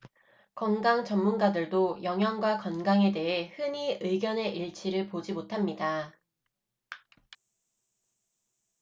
건강 전문가들도 영양과 건강에 대해 흔히 의견의 일치를 보지 못합니다